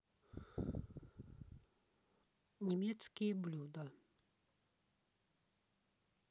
немецкие блюда